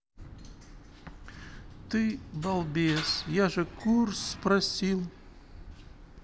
ты балбес я же курс спросил